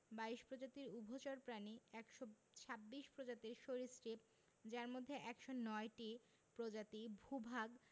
২২ প্রজাতির উভচর প্রাণী ১২৬ প্রজাতির সরীসৃপ যার মধ্যে ১০৯টি প্রজাতি ভূ ভাগ